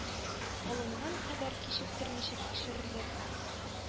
Алынган хәбәр кичектермичә тикшерелеп,